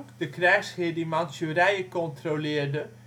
krijgsheer die Mantsjoerije controleerde